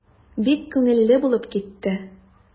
Бик күңелле булып китте.